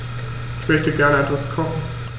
Ich möchte gerne etwas kochen.